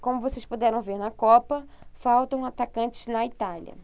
como vocês puderam ver na copa faltam atacantes na itália